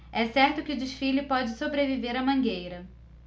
é certo que o desfile pode sobreviver à mangueira